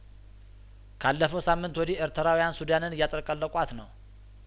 ካለፈው ሳምንት ወዲህ ኤርትራውያን ሱዳንን እያጥለቀለቋት ነው